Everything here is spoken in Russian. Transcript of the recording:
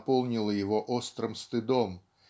наполнило его острым стыдом